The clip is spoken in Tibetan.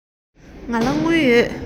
ང ལ དངུལ ཡོད